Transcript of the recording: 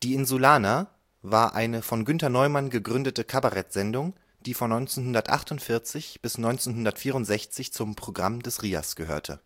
Insulaner war eine von Günter Neumann gegründete Kabarettsendung, die von 1948 bis 1964 zum Programm des RIAS gehörte